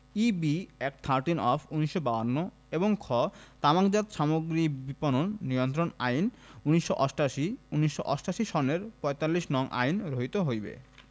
EB. Act thirteen of ১৯৫২ এবং খ তামাকজাত সামগ্রী বিপণন নিয়ন্ত্রণ আইন ১৯৮৮ ১৯৮৮ সনের ৪৫ নং আইন রহিত হইবে